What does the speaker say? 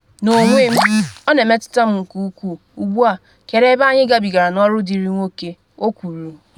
‘N’onwe m, ọ na-emetụta m nke ukwuu, ugbu a - kedu ebe anyị gabigara n’ọrụ dịrị nwoke?,’ o kwuru.